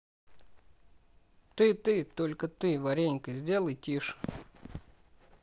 ты ты только ты варенька сделай тише